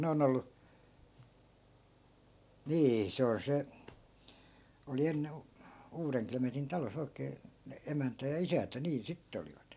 ne on ollut niin se on se oli - Uudenklemetin talossa oikein ne emäntä ja isäntä niin sitten olivat